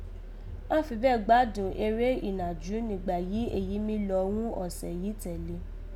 Àán fi bárẹ̀ gbádùn eré ìnàjú nígbà yí èyí mí lọ ghún ọ̀sẹ̀ yìí tẹ̀ le